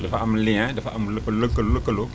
dafa am lien dafa am lëkka lëkkaloo